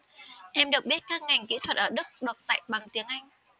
em được biết các ngành kỹ thuật ở đức được dạy bằng tiếng anh